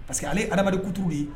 Parce que ale ye adama kukutu ye